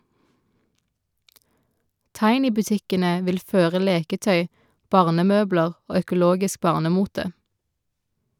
Tiny-butikkene vil føre leketøy, barnemøbler og økologisk barnemote.